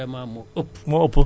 dañu koy assurer